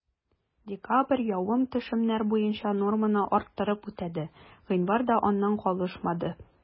Декабрь явым-төшемнәр буенча норманы арттырып үтәде, гыйнвар да аннан калышмады.